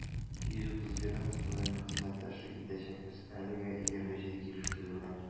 130 ведомство белән хезмәттәшлек итәчәкбез, әлегә 27 килешү төзелгән.